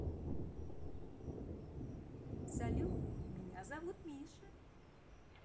салют меня зовут миша